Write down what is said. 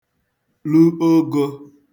lu ogō